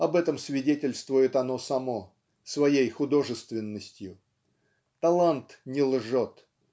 об этом свидетельствует оно само своей художественностью. Талант не лжет.